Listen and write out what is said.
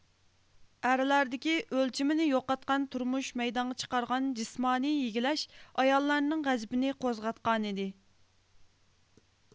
ئەرلەردىكى ئۆلچىمىنى يوقاتقان تۇرمۇش مەيدانغا چىقارغان جىسمانىي يىگلەش ئاياللارنىڭ غەزىپىنى قوزغاتقانىدى